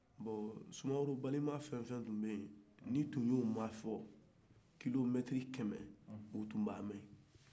bon soumaworo balima fɛ o fɛn tun bɛ ye ni tun y'u kɔrɔfɔ kilomɛtiri kɛmɛ u tun b'a mɛ